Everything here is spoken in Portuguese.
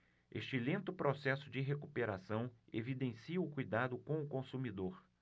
este lento processo de recuperação evidencia o cuidado com o consumidor